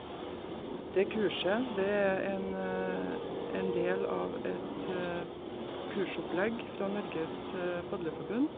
Det kurset, det er en en del av et kursopplegg fra Norges Padleforbund.